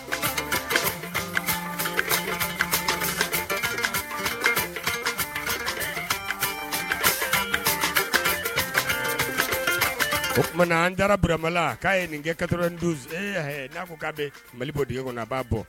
Ma an da burama la k'a ye nin kɛ ka n'a fɔ k'a bɛ mali bɔ de kɔnɔ na a b'a bɔ